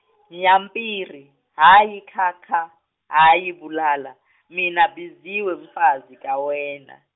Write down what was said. Nyampiri Hayi kha kha hhayi bulala mina biziwe mfazi kawena.